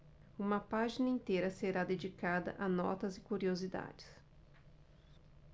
uma página inteira será dedicada a notas e curiosidades